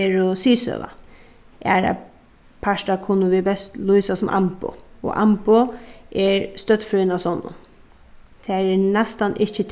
eru siðsøga aðrar partar kunnu vit best lýsa sum amboð og amboð er støddfrøðin av sonnum tað er næstan ikki